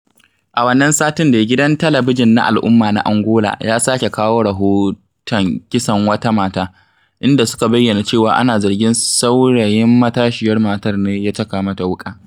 A wannan satin dai, gidan talabijin na al'umma na Angola ya sake kawo rahoton kisan wata mata, inda suka bayyana cewa ana zargin saurayin matashiyar matar ne ya caka mata wuƙa.